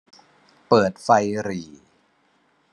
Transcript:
เปิดไฟหรี่